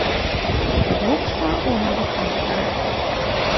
vit hugsa og hava tankar